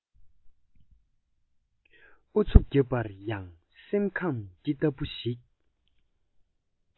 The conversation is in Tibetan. ཨུ ཚུགས བརྒྱབ པར ཡང སེམས ཁམས འདི ལྟ བུ ཞིག དང